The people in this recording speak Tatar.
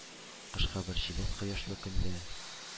Кышкы бер җиләс кояшлы көндә,